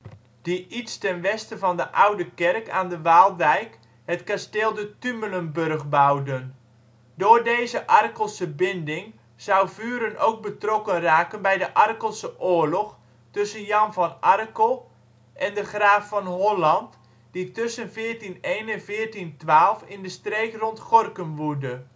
die iets ten westen van de oude kerk aan de Waaldijk het kasteel de Tumelenburg bouwden. Door deze Arkelse binding zou Vuren ook betrokken raken bij de Arkelse Oorlog tussen Jan van Arkel en de graaf van Holland die tussen 1401 en 1412 in de streek rond Gorinchem woedde